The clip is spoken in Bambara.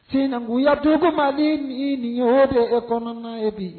Senkunya don ni nin ye de ɛ bamananw ye bi